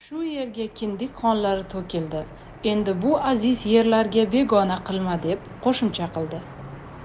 shu yerga kindik qonlari to'kildi endi bu aziz yerlarga begona qilma deb qo'shimcha qildi